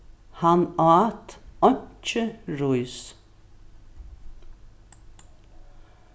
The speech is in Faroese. hann át einki rís